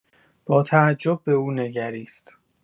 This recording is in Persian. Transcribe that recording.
با تعجب به او نگریست.